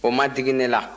o ma digi ne la